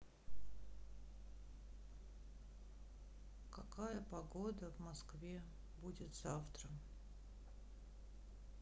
какая погода в москве будет завтра